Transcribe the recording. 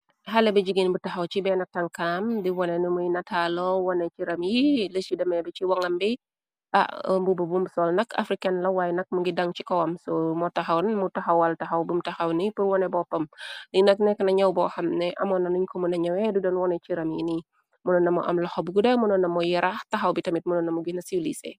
Xale bu jigain bu taxaw chi benah tankaam di woneh numuy nataalor, woneh cheram yi lisi demeh beh ci wangam bi, am mbuba buum sol nak afrikan la waay nak mungi dang chi kawam, soh mo taxon mu taxawal taxaw bum taxaw ni pur woneh boppam, li nak nekk na njaw boo xamne amoon na nungh ko muna njawe du doon woneh cheram yi ni, monoo namoo am loxo bu guda, mono namoo yaraax, taxaw bi tamit monoo namu gina sivliseh.